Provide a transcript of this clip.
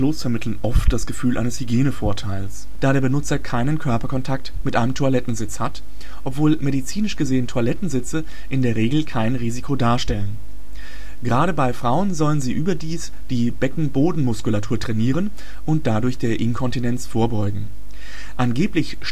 vermitteln oft das Gefühl einens Hygienevorteils, da der Benutzer keinen Körperkontakt mit einem Toilettensitz hat, obwohl Medizinisch gesehen Toilettensitze in der Regel kein Risiko darstellen. Gerade bei Frauen sollen sie überdies die Beckenbodenmuskulatur trainieren und dadurch der Inkontinenz vorbeugen. Angeblich